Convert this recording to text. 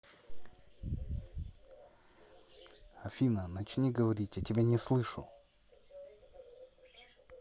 афина начни говорить я тебя не слышу